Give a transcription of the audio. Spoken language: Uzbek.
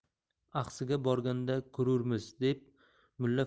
axsiga borganda ko'rurmiz deb mulla